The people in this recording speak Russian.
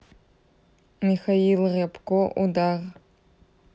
михаил рябко удар